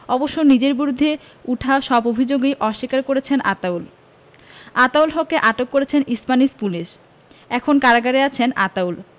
অবশ্য নিজের বিরুদ্ধে ওঠা সব অভিযোগই অস্বীকার করেছেন আতাউল আতাউল হককে আটক করেছে স্প্যানিশ পুলিশ এখন কারাগারে আছেন আতাউল